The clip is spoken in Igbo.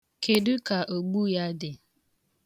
Kedu ka ogbu ha dị?